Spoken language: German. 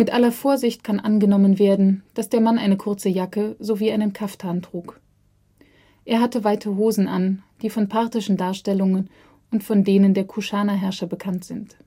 aller Vorsicht kann angenommen werden, dass der Mann eine kurze Jacke sowie einen Kaftan trug. Er hatte weite Hosen an, die von parthischen Darstellungen und von denen der Kuschana-Herrscher bekannt sind